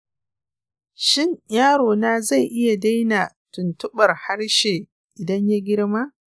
shin yarona zai iya daina tuntuɓar harshe idan ya girma?